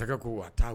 Masakɛ ko wa taa